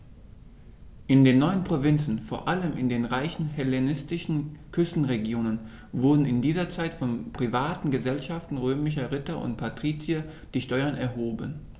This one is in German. In den neuen Provinzen, vor allem in den reichen hellenistischen Küstenregionen, wurden in dieser Zeit von privaten „Gesellschaften“ römischer Ritter und Patrizier die Steuern erhoben.